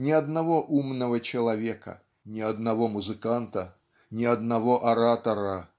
ни одного умного человека "ни одного музыканта ни одного оратора